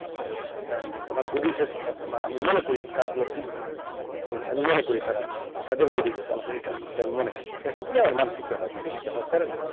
and আমার good wish আমি মনে করি কাজ গুলো ফিল করে এবং আমি মনে করি তাদের গুড উইশ আমাকে রিটার্ন করে এটা আমি মনে করি এটা সম্পূর্নই আমার মানসিক ব্যাপার মেবি যাহোক করে না